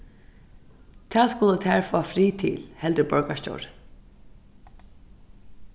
tað skulu tær fáa frið til heldur borgarstjórin